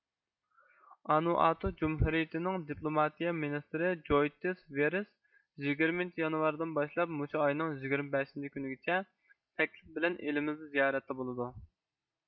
ئانۇئاتۇ جۇمھۇرىيىتىنىڭ دىپلۇماتىيە مىنىستىرى جويتىس ۋېرس يىگىرمىنچى يانۋاردىن باشلاپ مۇشۇ ئاينىڭ يىگىرمە بەشىنچى كۈنىگىچە تەكلىپ بىلەن ئېلىمىزدە زىيارەتتە بولىدۇ